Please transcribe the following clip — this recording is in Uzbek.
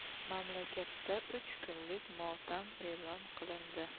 mamlakatda uch kunlik motam e'lon qilindi